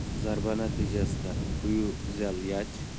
zarba natijasida fyuzelyaj